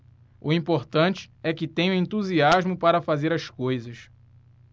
o importante é que tenho entusiasmo para fazer as coisas